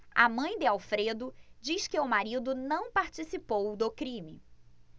a mãe de alfredo diz que o marido não participou do crime